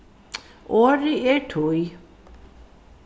orðið er tíð